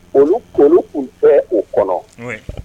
Olu kolon tun tɛ o kɔnɔ